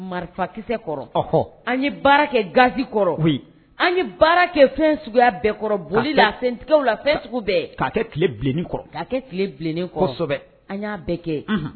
Marifakisɛ kɔrɔ. Ɔnhɔn. An ye baara kɛ gaz kɔrɔ. OUI . An ye baara kɛ fɛn suguya bɛɛ kɔrɔ, boli la sentigɛw la, fɛn sugu bɛɛ . Ka kɛ tile bilennen kɔrɔ. Ka kɛ tile bilennen kɔrɔ, an y'a bɛɛ kɛ.